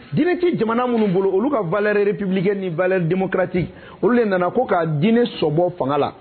Dinɛ tɛ jamana minnu bolo, olu ka valeur républicaine ni valeur democratique , olu de nana ko ka dinɛ sɔbɔ fanga la.